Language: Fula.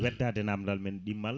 weddade namdal men ɗimmal